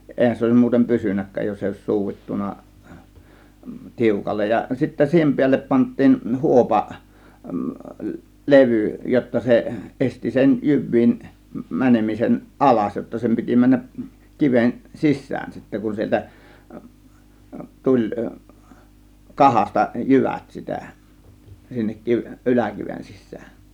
eihän se olisi muuten pysynytkään jos ei olisi suudittu tiukalle ja sitten siihen päälle pantiin huopa levy jotta se esti sen jyvien menemisen alas jotta sen piti mennä kiven sisään sitten kun sieltä tuli kahasta jyvät sitä sinne - yläkiven sisään